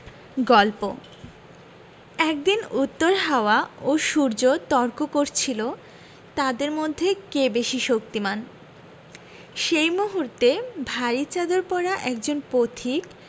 গল্প একদিন উত্তর হাওয়া এবং সূর্য তর্ক করছিল তাদের মধ্যে কে বেশি শক্তিমান সেই মুহূর্তে ভারি চাদর পরা একজন পথিক